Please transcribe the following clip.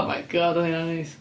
Oh, my God oedd heina'n neis.